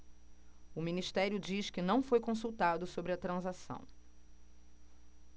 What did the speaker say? o ministério diz que não foi consultado sobre a transação